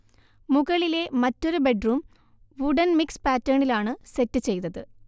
മുകളിലെ മെറ്റാരു bedroom wooden mix പാറ്റേണിലാണ് സെറ്റ് ചെയ്തത്